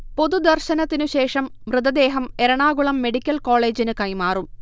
പൊതുദർശനത്തിനു ശേഷം മൃതദേഹം എറണാകുളം മെഡിക്കൽ കോളേജിന് കൈമാറും